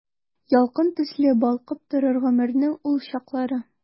Ялкын төсле балкып торыр гомернең ул чаклары.